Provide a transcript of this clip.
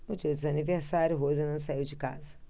no dia de seu aniversário rose não saiu de casa